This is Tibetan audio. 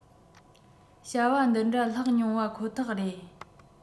བྱ བ འདི འདྲ ལྷག མྱོང པ ཁོ ཐག རེད